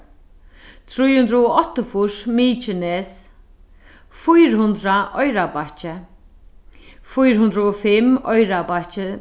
trý hundrað og áttaogfýrs mykines fýra hundrað oyrarbakki fýra hundrað og fimm oyrarbakki